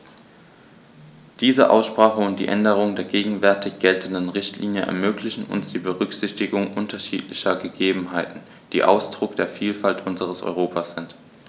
Diese Aussprache und die Änderung der gegenwärtig geltenden Richtlinie ermöglichen uns die Berücksichtigung unterschiedlicher Gegebenheiten, die Ausdruck der Vielfalt unseres Europas sind.